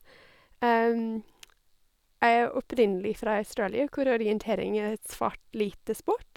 Jeg er opprinnelig fra Australia, hvor orientering er et svært lite sport.